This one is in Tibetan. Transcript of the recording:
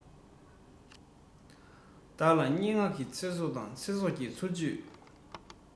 བདག ལ སྙན ངག གི ཚེ སྲོག དང ཚེ སྲོག གི འཚོ བཅུད